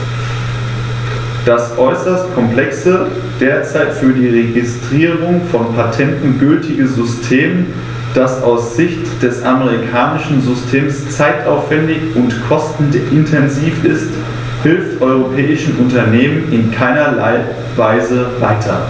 Das äußerst komplexe, derzeit für die Registrierung von Patenten gültige System, das aus Sicht des amerikanischen Systems zeitaufwändig und kostenintensiv ist, hilft europäischen Unternehmern in keinerlei Weise weiter.